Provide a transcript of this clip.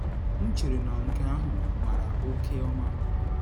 M chere na nke ahụ mara oke mma.”